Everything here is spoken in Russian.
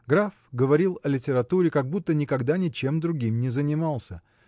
Граф говорил о литературе, как будто никогда ничем другим не занимался